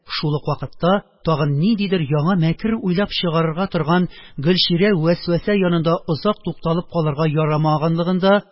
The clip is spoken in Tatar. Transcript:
Шул ук вакытта, тагын ниндидер яңа мәкер уйлап чыгарырга торган гөлчирә-вәсвәсә янында озак тукталып калырга ярамаганлыгын да